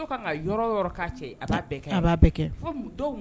Cɛ kɛ